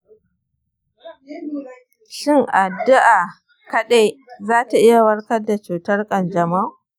shin addu'a kaɗai za ta iya warkar da cutar kanjamau?